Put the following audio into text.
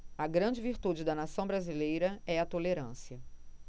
a grande virtude da nação brasileira é a tolerância